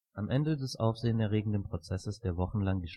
Am Ende des aufsehenerregenden Prozesses, der wochenlang